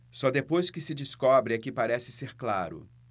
só depois que se descobre é que parece ser claro